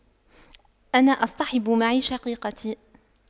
أنا أصطحب معي شقيقتي